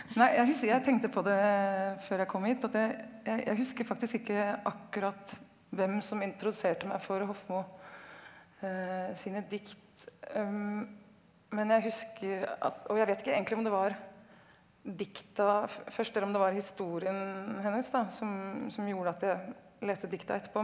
nei jeg jeg tenkte på det før jeg kom hit at jeg jeg jeg husker faktisk ikke akkurat hvem som introduserte meg for Hofmo sine dikt , men jeg husker at og jeg vet ikke egentlig om det var dikta først eller om det var historien hennes da som som gjorde at jeg leste dikta etterpå.